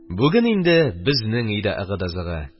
Бүген инде безнең өйдә ыгы да зыгы